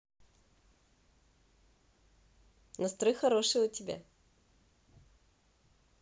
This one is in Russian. настрой хороший у тебя